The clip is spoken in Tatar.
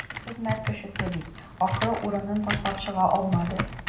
Хезмәт кешесе бит, ахры, урынын ташлап чыга алмады.